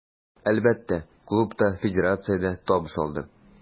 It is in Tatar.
Әлбәттә, клуб та, федерация дә табыш алды.